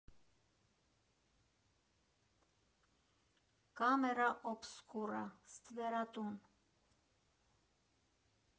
Կամերա օբսկուրա, ստվերատուն,